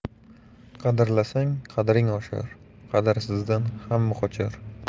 qadrlasang qadring oshar qadrsizdan hamma qochar